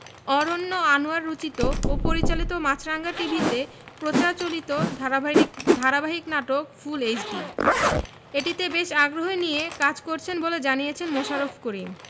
অরন্য আনোয়ার রচিত ও পরিচালিত মাছরাঙা টিভিতে প্রচার চলিত ধারাবাহিক ধারাবাহিক নাটক ফুল এইচডি এটিতে বেশ আগ্রহ নিয়ে কাজ করছেন বলে জানিয়েছেন মোশাররফ করিম